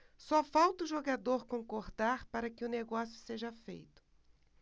só falta o jogador concordar para que o negócio seja feito